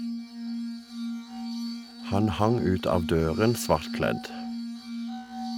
Han hang ut av døren, svartkledt.